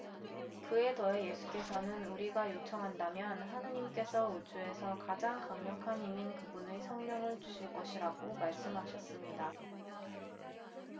그에 더해 예수께서는 우리가 요청한다면 하느님께서 우주에서 가장 강력한 힘인 그분의 성령을 주실 것이라고 말씀하셨습니다